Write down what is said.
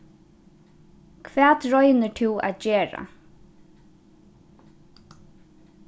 hvat roynir tú at gera